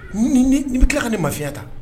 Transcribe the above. Nin bɛ tila ka ne mafiyɛnya tan.